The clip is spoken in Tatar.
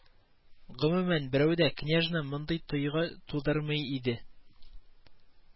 Гомумән, берәүдә дә княжна мондый тойгы тудырмый иде